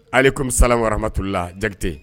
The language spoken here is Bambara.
Walekum salam waramatula Jakite.